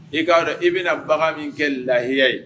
I k'a dɔn i bɛna bagan min kɛ lahiya ye